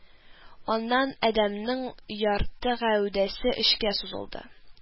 Аннан адәмнең ярты гәүдәсе эчкә сузылды